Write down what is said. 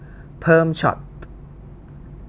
เพิ่มช็อต